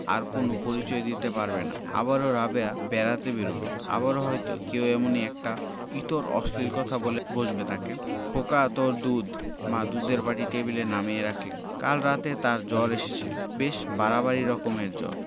আর কোন পরিচয়ই দিতে পারবে না আবারও রাবেয়া বেড়াতে বেরুবে আবারো হয়তো কেউ এমনি একটি ইতর অশ্লীল কথা বলে বসবে তাকে খোকা তোর দুধ মা দুধের বাটি টেবিলে নামিয়ে রাখলেন কাল রাতে তার জ্বর এসেছিল বেশ বাড়াবাড়ি রকমের জ্বর